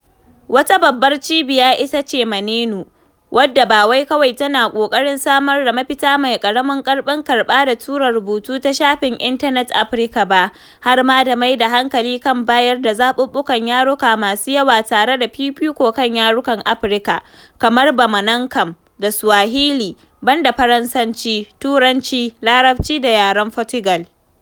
Wata babbar cibiya ita ce Maneno, wadda ba wai kawai tana ƙoƙarin samar da mafita mai ƙaramin ƙarfin karɓa da tura rubutu ta shafin intanet Afirka ba, har ma da mai da hankali kan bayar da zaɓuɓɓukan yaruka masu yawa tare da fifiko kan yarukan Afirka kamar Bamanankan da Swahili, banda Faransanci, Turanci, Larabci da yaren Fotugal.